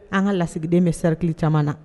An ka lasigiden bɛ serikili caman na